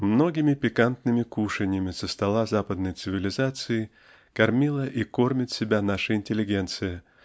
Многими пикантными кушаньями со стола западной цивилизаций кормила и кормит себя наша интеллигенция